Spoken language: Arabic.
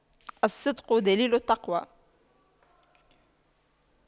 الصدق دليل التقوى